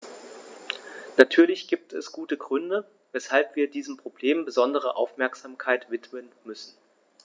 Natürlich gibt es gute Gründe, weshalb wir diesem Problem besondere Aufmerksamkeit widmen müssen.